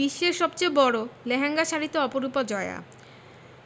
বিশ্বের সবচেয়ে বড় লেহেঙ্গা শাড়িতে অপরূপা জয়া